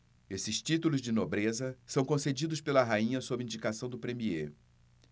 esses títulos de nobreza são concedidos pela rainha sob indicação do premiê